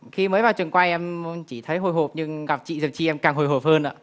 khi mới vào trường quay em chỉ thấy hồi hộp nhưng gặp chị diệp chi em càng hồi hộp hơn ạ